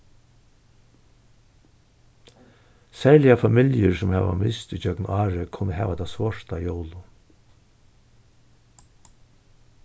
serliga familjur sum hava mist ígjøgnum árið kunnu hava tað svárt á jólum